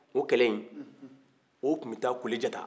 o kɛlɛ in o tun bɛ taa kulejata